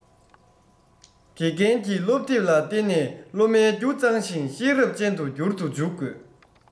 དགེ རྒན གྱིས སློབ དེབ ལ བརྟེན ནས སློབ མའི རྒྱུ གཙང ཞིང ཤེས རབ ཅན དུ འགྱུར དུ འཇུག དགོས